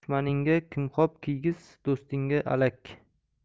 dushmaningga kimxob kiygiz do'stingga alak